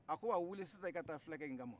a ko wa wuli sisan i ka taa fulakɛ in kama